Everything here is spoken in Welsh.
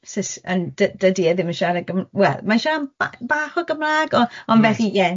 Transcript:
Sus- yn... Dy- dydi e ddim yn siarad Gym- ... Wel mae'n siarad b- bach o Gymraeg ond ond felly ie